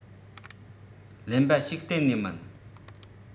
གླེན པ ཞིག གཏན ནས མིན